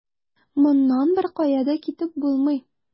Моннан беркая да китеп булмый.